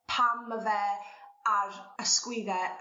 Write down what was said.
pam ma' fe ar ysgwydde